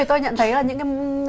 tôi nhận thấy là những